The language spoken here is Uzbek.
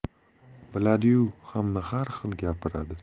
biladi yu hamma har xil gapiradi